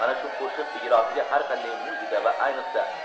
mana shu qo'shiq ijrosiga har qanday muzika va ayniqsa